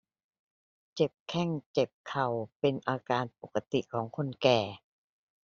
เจ็บแข้งเจ็บเข่าเป็นอาการปกติของคนแก่